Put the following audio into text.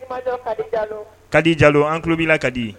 Ka di jalo an tulo bɛ ka di